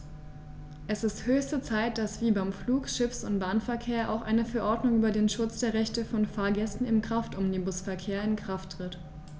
Es ist höchste Zeit, dass wie beim Flug-, Schiffs- und Bahnverkehr auch eine Verordnung über den Schutz der Rechte von Fahrgästen im Kraftomnibusverkehr in Kraft tritt.